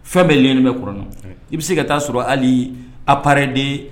Fɛn bɛɛ lenni bɛ kɔnɔ i bɛ se ka taaa sɔrɔ hali apreden